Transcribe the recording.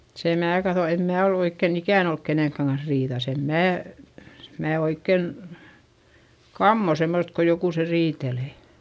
sen minä katson en minä ole oikein ikään ollut kenenkään kanssa riidassa en minä minä oikein kammoan semmoista kun jokuset riitelee